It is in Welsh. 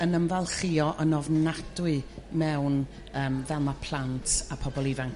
yn ymfalchuo yn ofnadwy mewn yrm ddrama plant a pobol ifanc